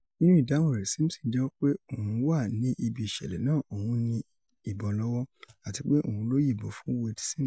Nínú ìdáhùn ẹ, Simpson jẹ́wọ́ pé òun wà ní ibi iṣẹ̀lẹ̀ náà, òun ní ìbọn lọ́wọ́, àti pé òun ló yìnbọn fún Wayde Sims.